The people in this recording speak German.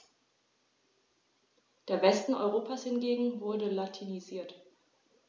Der Westen Europas hingegen wurde latinisiert.